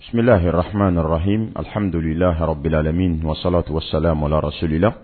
Nmrafin narahi alihamdul laharabilala minsalat sa marasoli la